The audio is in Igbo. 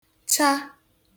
-cha